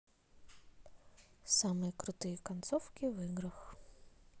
самые крутые концовки в играх